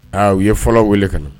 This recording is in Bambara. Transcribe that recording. Aa u ye fɔlɔ wele ka na